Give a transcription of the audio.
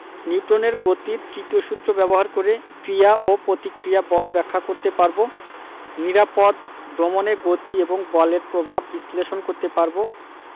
নিউটনের গতির তৃতীয় সূত্র ব্যবহার করে ক্রিয়া ও প্রতিক্রিয়া বল ব্যাখ্যা করতে পারব নিরাপদ ভ্রমণে গতি এবং বলের প্রভাব বিশ্লেষণ করতে পারব